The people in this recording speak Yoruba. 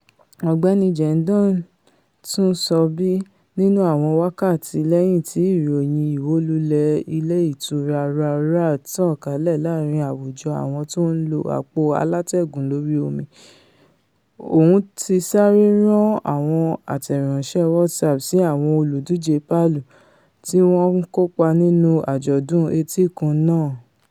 Ọ̀gbẹ́ni Gendon tún sọ bí, nínú àwọn wákàtí lẹ́yìn ti ìròyìn ìwólulẹ̀ Ilé Ìtura Roa Roa tàn kalẹ̀ láàrin àwùjọ àwọn tó ńlo àpò alátẹ́gùn lórí omi, òun ti sáré rán àwọn àtẹ̀ránṣẹ́ WhatsApp sí àwọn olùdíje Palu, tí wọ́n ńkópa nínú àjọ̀dún etíkun náà.